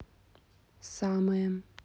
самое